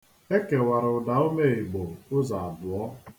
E kewara ụdaume Igbo ụzọ abụọ.